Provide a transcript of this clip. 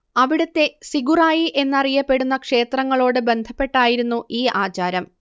അവിടത്തെ സിഗുറായി എന്നറിയപ്പെടുന്ന ക്ഷേത്രങ്ങളോട് ബന്ധപ്പെട്ടായിരുന്നു ഈ ആചാരം